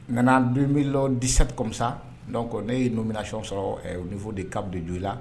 Nana donb disati kɔmisa ne ye' minna nay sɔrɔ fɔ de kab jo la